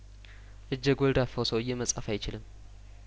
እጀ ጐልዳፋው ሰውዬ መጻፍ አይችልም